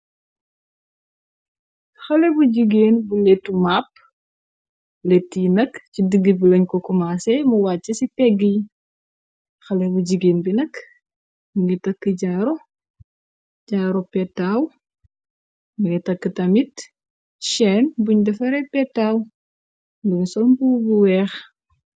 Xale bu jigeen bu letu mapp leti yi nakk ci diggi bi loñ ko komaasé mu wàcc ci peggy xale bu jigeen bi nakk ngi takk jaaro petaaw ngi takk ta mit chenn buñ dafa repetaaw nduñu sol mbuo bu weex.